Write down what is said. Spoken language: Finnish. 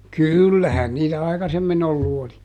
kyllähän niitä aikaisemmin ollut oli